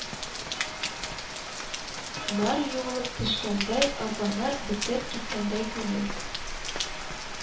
Нар юылып төшкәндәй, арганнар бетеп киткәндәй, күңел